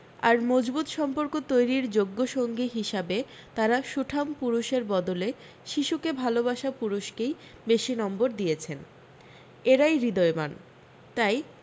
আর মজবুত সম্পর্ক তৈরীর যোগ্য সঙ্গী হিসাবে তাঁরা সুঠাম পুরুষের বদলে শিশুকে ভালবাসা পুরুষকেই বেশী নম্বর দিয়েছেন এঁরাই হৃদয়বান তাই